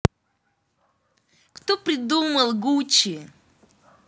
кто придумал гуччи